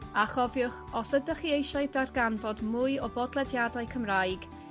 A chofiwch os ydach chi eisiau darganfod mwy o bodlediadau Cymraeg,